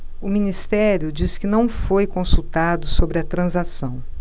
o ministério diz que não foi consultado sobre a transação